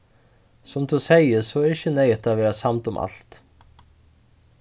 sum tú segði so er ikki neyðugt at vera samd um alt